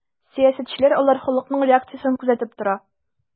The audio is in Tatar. Сәясәтчеләр алар халыкның реакциясен күзәтеп тора.